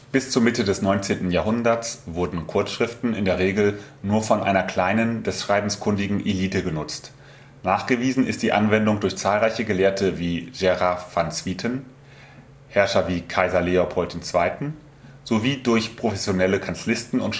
Bis zur Mitte des 19. Jahrhunderts wurden Kurzschriften in der Regel nur von einer kleinen, des Schreibens kundigen Elite genutzt. Nachgewiesen ist die Anwendung durch zahlreiche Gelehrte wie Gerard van Swieten, Herrscher wie Kaiser Leopold II. sowie durch professionelle Kanzlisten